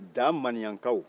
da maniyankaw